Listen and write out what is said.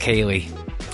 Kayleigh.